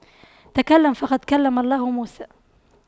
تكلم فقد كلم الله موسى